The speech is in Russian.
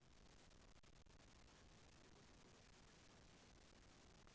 на сегодня было три математика